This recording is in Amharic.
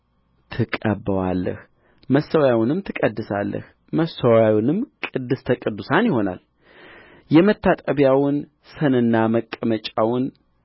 ትቀባዋለህ መሠዊያውንም ትቀድሳለህ መሠዊያውም ቅድስተ ቅዱሳን ይሆናል የመታጠቢያውን ሰንና መቀመጫውን